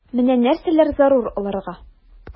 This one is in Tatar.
Менә нәрсәләр зарур аларга...